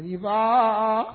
Nba